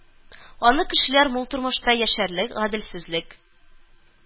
Аны кешеләр мул тормышта яшәрлек, гаделсезлек